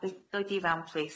dd- ddoi di fewn plîs.